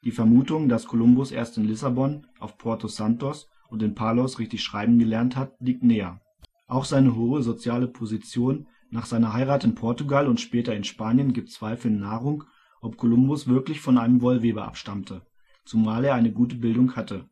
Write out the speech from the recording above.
Vermutung, dass Kolumbus erst in Lissabon, auf Porto Santos und in Palos richtig schreiben gelernt hat, liegt näher. Auch seine hohe soziale Position nach seiner Heirat in Portugal und später in Spanien gibt Zweifeln Nahrung, ob Kolumbus wirklich von einem Wollweber abstammte, zumal er eine gute Bildung hatte